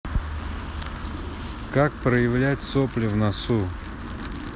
как проявлять сопли в носу